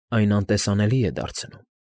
Այն անտեսանելի է դարձնում։